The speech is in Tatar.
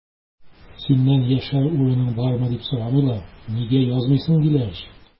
Синнән яшәр урының бармы, дип сорамыйлар, нигә язмыйсың, диләр ич!